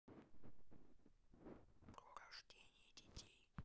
про рождение детей